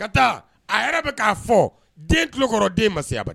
Ka taa a yɛrɛ bɛ' fɔ den kukɔrɔ den masa a